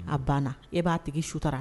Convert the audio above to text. A banna e b'a tigi sutura